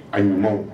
Ayi